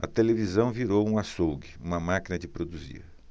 a televisão virou um açougue uma máquina de produzir